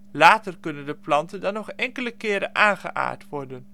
Later kunnen de planten dan nog enkele keren aangeaard worden